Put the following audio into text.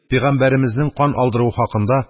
Пәйгамбәремезнең кан алдыруы хакында